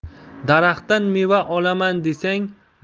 daraxtdan meva olaman